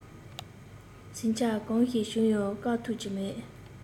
ཟིང ཆ གང ཞིག བྱུང ཡང བཀག ཐུབ ཀྱི མེད